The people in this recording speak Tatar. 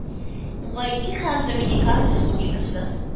Гаити һәм Доминикан Республикасы